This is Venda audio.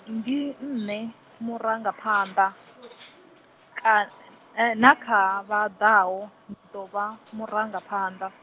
ndi nṋe, murangaphanḓa , ka, nakha vha ḓaho, ndi ḓo vha , muranga phanḓa.